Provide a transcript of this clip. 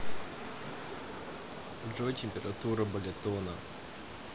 джой температура болитона